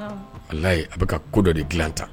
A alayi a bɛ ka ko dɔ de dilan ta